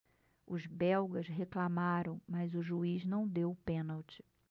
os belgas reclamaram mas o juiz não deu o pênalti